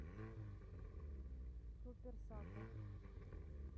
супер сако